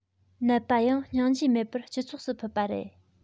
ནད པ ཡང སྙིང རྗེ མེད པར སྤྱི ཚོགས སུ ཕུད པ རེད